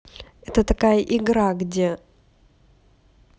это такая игра где